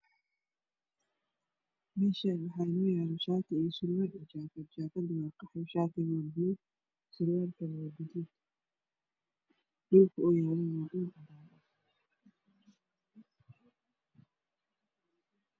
Meshan waxa ino yalo shati io sarwal io jakad jakada waa qaxwi shatiga waa baluug sarwalkan waa gaduud dhulka oow Yalo waa cadan